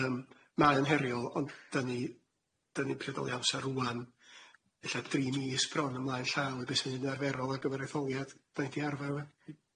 yym, mae o'n heriol ond dyn ni dyn ni'n priodoli amsar rŵan ella dri mis bron ymlaen llaw i be' sy'n arferol ar gyfer etholiad dan ni di arfar efo?